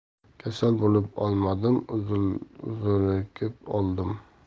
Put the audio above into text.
kasal bo'lib o'lmadim uzulikib o'ldim